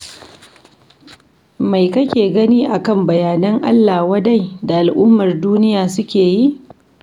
Mai kake gani akan bayanan Allah wadai da al’ummar duniya suke yi?